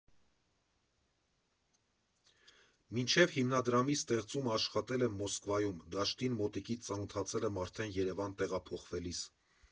Մինչև հիմնադրամի ստեղծումը աշխատել եմ Մոսկվայում, դաշտին մոտիկից ծանոթացել եմ արդեն Երևան տեղափոխվելիս։